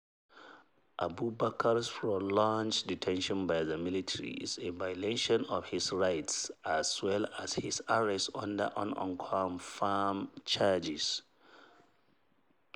Abubacar’s prolonged detention by the military is a violation of his rights as well as his arrest under unconfirmed charges.